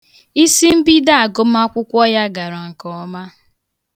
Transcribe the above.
Isimbido agụmakwụkwọ ya gara nke ọma.